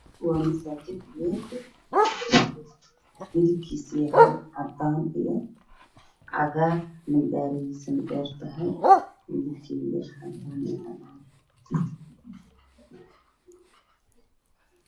Waa masaajid wayn midabkiisu yahay cadaan iyo cagaar minaaradiisuna dheertahay mudabkeeduna yahay cadaan iyo cagaar